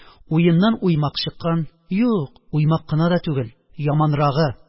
Уеннан уймак чыккан, юк, уймак кына да түгел, яманрагы: